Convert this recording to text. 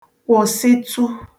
kwụsịtụ